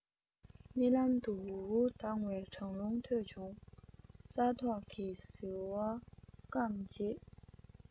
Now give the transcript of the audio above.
རྨི ལམ དུ འུར འུར ལྡང བའི གྲང རླུང ཐོས བྱུང རྩྭ ཐོག གི ཟིལ བ བསྐམས རྗེས